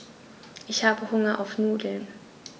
Ich habe Hunger auf Nudeln.